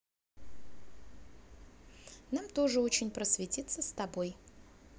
нам тоже очень просветиться с тобой